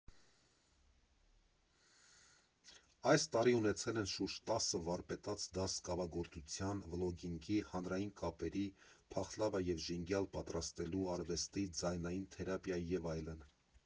Այս տարի ունեցել են շուրջ տասը վարպետաց դաս՝կավագործության, վլոգինգի, հանրային կապերի, փախլավա և ժենգյալ պատրաստելու, արվեստի, ձայնային թերապիայի և այլն։